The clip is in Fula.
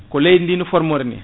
ko leydi ndi no forme morini